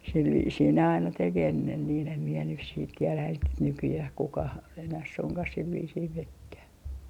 sillä viisiin ne aina teki ennen niin en minä nyt sitten tiedä että nykyään kukaan enää suinkaan sillä viisiin meneekään